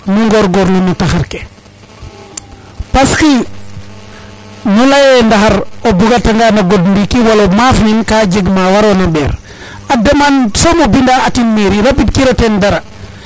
nu ngorgorlu no taxar ke parce que nu leye ndaxar o buga tangan o god ndiki wala o maaf nin ka jeg ma warona mbeer a demande somo mbinda atin mairie rabid kiro ten dara